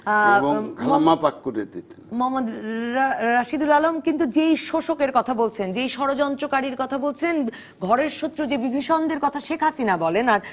এবং খালাম্মা পাক করে দিতেন মোঃ রাশেদুল আলম যে শোষক এর কথা বলছেন যে ষড়যন্ত্রকারীর কথা ঘরের শত্রু বিভীষণ দের কথা যে শেখ হাসিনা বলেন আর